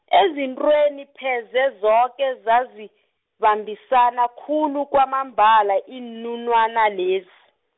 ezintweni pheze zoke zazibambisana khulu kwamambala iinunwana lez- .